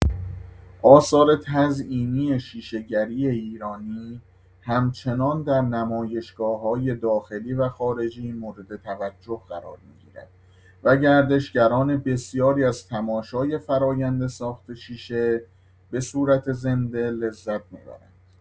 آثار تزئینی شیشه‌گری ایرانی همچنان در نمایشگاه‌های داخلی و خارجی مورد توجه قرار می‌گیرد و گردشگران بسیاری از تماشای فرآیند ساخت شیشه به صورت زنده لذت می‌برند.